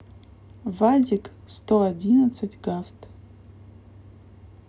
вадик сто одиннадцать гафт